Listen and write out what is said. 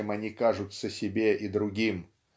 чем они кажутся себе и другим.